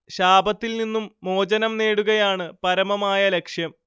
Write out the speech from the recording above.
ശാപത്തിൽ നിന്നു മോചനം നേടുകയാണു പരമമായ ലക്ഷ്യം